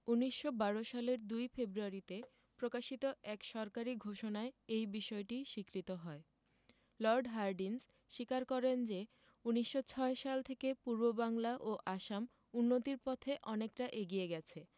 ১৯১২ সালের ২ ফেব্রুয়ারিতে প্রকাশিত এক সরকারি ঘোষণায় এই বিষয়টি স্বীকৃত হয় লর্ড হার্ডিঞ্জ স্বীকার করেন যে ১৯০৬ সাল থেকে পূর্ববাংলা ও আসাম উন্নতির পথে অনেকটা এগিয়ে গেছে